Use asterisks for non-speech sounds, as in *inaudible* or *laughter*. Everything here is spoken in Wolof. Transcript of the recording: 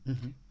*hesitation* *hesitation*